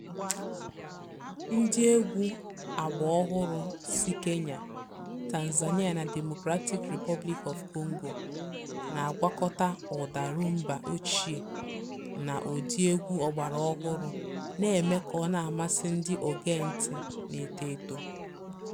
Ndịegwu àgbà ọhụrụ si Kenya, Tanzania na Democratic Republic of Congo na-agwakọta ụda Rhumba ochie na ụdị egwu ọgbaraọhụrụ, na-eme ka ọ na-amasị ndị ogeentị na-eto eto.